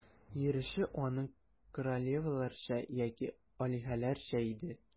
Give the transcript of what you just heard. Йөреше аның королеваларча яки алиһәләрчә иде.